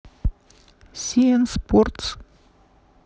си эн спортс